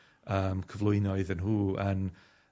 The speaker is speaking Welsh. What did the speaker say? yym cyflwyno iddyn nhw yn